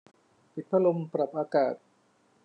ปิดพัดลมปรับอากาศ